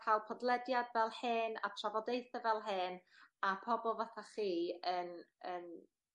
ca'l podlediad fel hyn a trafodaethe fel hyn a pobol fatha chi yn yn